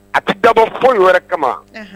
A tɛ dabɔ ko yɛrɛ kama